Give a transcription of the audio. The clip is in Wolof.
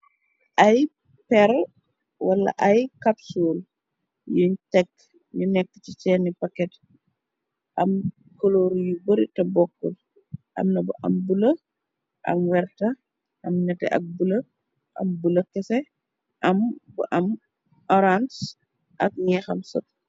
Ay perë wala ay capsul yuñ tekk ñu nekk ci senni paket. Am koloor yu bari te bokkun, amna bu am bula, am vert, am nete ak bulo, ak bula kese, am bu am oranc ak neeham sub.